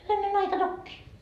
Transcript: hyvänen aika tokiin